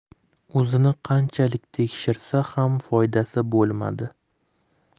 o'zini qanchalik tekshirsa xam foydasi bo'lmadi